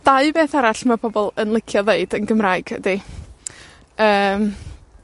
Dau beth arall ma' pobol yn licio ddeud yn Gymraeg ydi, yym,